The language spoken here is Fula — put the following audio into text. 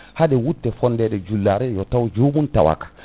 hade wutte fondede e jullare yotaw joomum tawaka